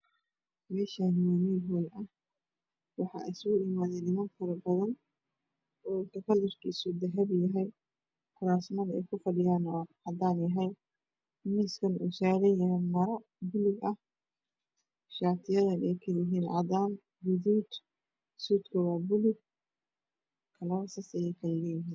Meshani waa mel hol ah waxaa iskugu imaday niman badan oo kuras dahabi ah kursi maro madow saran tahay